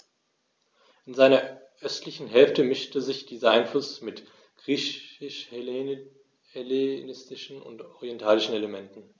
In seiner östlichen Hälfte mischte sich dieser Einfluss mit griechisch-hellenistischen und orientalischen Elementen.